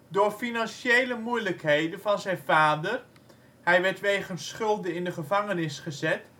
Door financiële moeilijkheden van zijn vader (hij werd wegens schulden in de gevangenis gezet